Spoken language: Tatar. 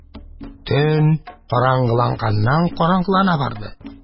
Төн караңгыланганнан-караңгылана барды